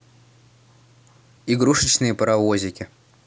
игрушечные паровозики